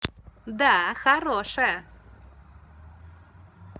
да хорошая